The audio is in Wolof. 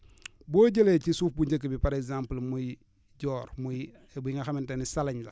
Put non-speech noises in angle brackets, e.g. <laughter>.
<smacks lips> boo jëlee ci suuf bu njëkk bi par exemple muy joor muy bi nga xamante ne salañ la